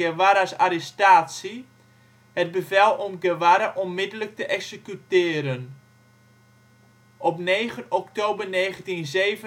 Guevara 's arrestatie, het bevel om Guevara onmiddellijk te executeren. Op 9 oktober 1967